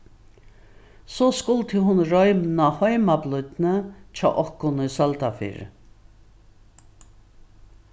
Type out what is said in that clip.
so skuldi hon royna heimablídnið hjá okkum í søldarfirði